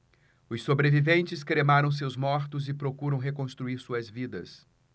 os sobreviventes cremaram seus mortos e procuram reconstruir suas vidas